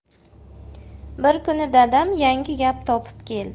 bir kuni dadam yangi gap topib keldi